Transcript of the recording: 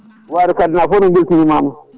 Ware Kadde naaɓe ne beltanimama